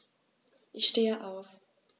Ich stehe auf.